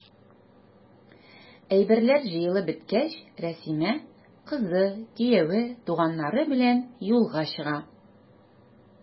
Әйберләр җыелып беткәч, Рәсимә, кызы, кияве, туганнары белән юлга чыга.